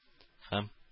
Һәм